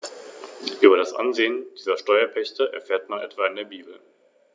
Der Bauch, das Gesicht und die Gliedmaßen sind bei den Stacheligeln mit Fell bedeckt.